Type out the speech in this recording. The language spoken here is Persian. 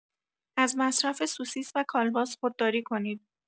از مصرف سوسیس و کالباس خودداری کنید.